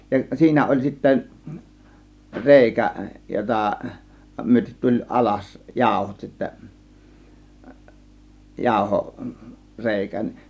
ja siinä oli sitten reikä jota myöten tuli alas jauhot sitten - jauhoreikä